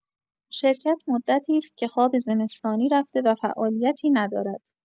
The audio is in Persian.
شرکت مدتی است که خواب زمستانی رفته و فعالیتی ندارد.